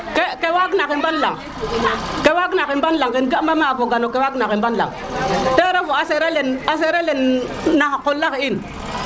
ke ke waag na xemban lang ke waag na xemban lang ke ga ma ye a foga no ke xemban lang te refu te a sera le a sera le na xa qola xe in